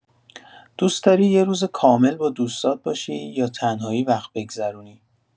دوست‌داری یه روز کامل با دوستات باشی یا تنهایی وقت بگذرونی؟